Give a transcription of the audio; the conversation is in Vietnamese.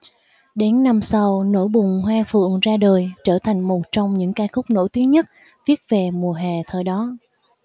đến năm sau nỗi buồn hoa phượng ra đời trở thành một trong những ca khúc nổi tiếng nhất viết về mùa hè thời đó